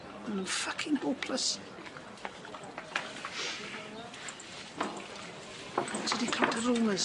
Ma' nw'n ffycin hopeless. O' ti 'di clwed y rumours?